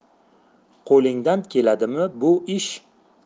qo'lingdan keladimi bu ish